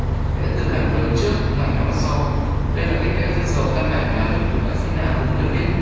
vẽ từ mảng lớn trước mảng nhỏ sau đây là cách vẽ căn bản mà bất kỳ họa sỹ sơn dầu nào cũng cần biết